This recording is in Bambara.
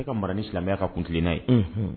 E ka mara ni silamɛya ka kuntilenna ye, unhun